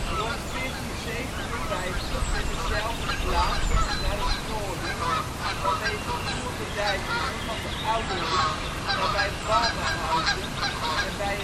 Rond 1457 werd de zijl verplaatst naar het noorden vanwege nieuwe bedijkingen van de Oude Riet nabij Balmahuizen en bij